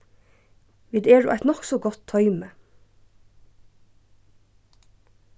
vit eru eitt nokk so gott toymi